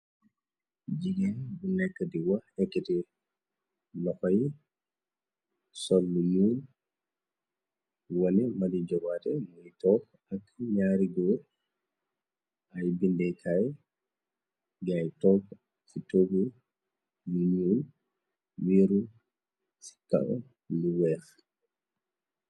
jigeen bu nekk di wax ekkite noxoy sol lu ñuul wone mali jobaate muy toog ak ñaarigoo ay bindeekaay ginay toog ci togbe yu ñu wiiru ci kaw lu weex